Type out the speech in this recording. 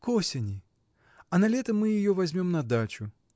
— К осени; а на лето мы ее возьмем на дачу.